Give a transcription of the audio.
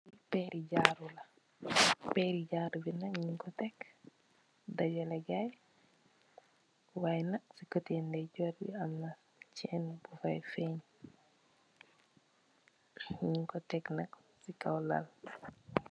Pééri jaru la, pééri jaru bi nak ñing ko tek dajaleh jay, way nak ci koteh daijoor bi am na cèèn bu fay feeñ, ñing ko tek nak ci kaw lal.